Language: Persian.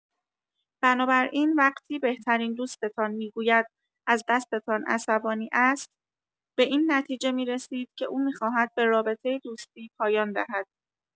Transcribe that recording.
بنابراین وقتی بهترین دوستتان می‌گوید از دستتان عصبانی است، به این نتیجه می‌رسید که او می‌خواهد به رابطه دوستی پایان دهد.